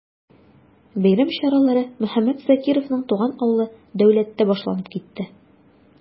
Бәйрәм чаралары Мөхәммәт Закировның туган авылы Дәүләттә башланып китте.